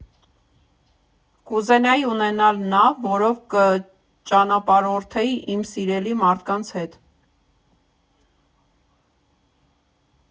Կուզենայի ունենալ նավ, որով կճանապարհորդեի իմ սիրելի մարդկանց հետ։